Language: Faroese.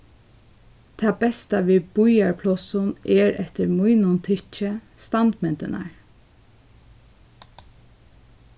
tað besta við býarplássum er eftir mínum tykki standmyndirnar